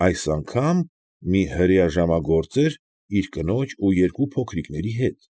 Այս անգամ մի հրեա ժամագործ իր կնոջ ու երկու փոքրիկների հետ։